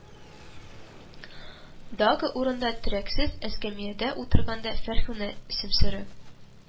Дагы урында, терәксез эскәмиядә утырганда, фәрхунә, сөмсере